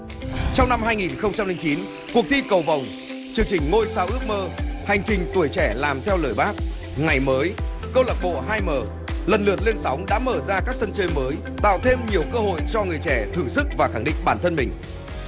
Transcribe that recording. trong năm hai nghìn không trăm linh chín cuộc thi cầu vồng chương trình ngôi sao ước mơ hành trình tuổi trẻ làm theo lời bác ngày mới câu lạc bộ hai mờ lần lượt lên sóng đã mở ra các sân chơi mới tạo thêm nhiều cơ hội cho người trẻ thử sức và khẳng định bản thân mình